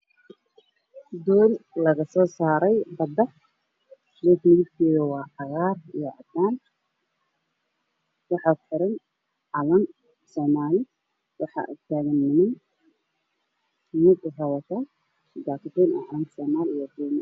Doon looga soo saaray badda doonta midabkeedu waa cagaar iyo cadaan waxaa ku xiran calanka soomaaliya waxaa wado nin shati madow ah qabo